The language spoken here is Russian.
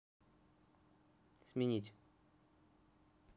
сменить